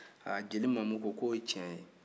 ha jeli mamu ko ' o ye tiɲɛ ye